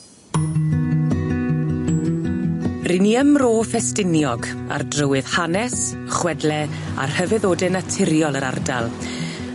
Ry ni ym Mro Ffestiniog ar drywydd hanes, chwedle a rhyfeddode naturiol yr ardal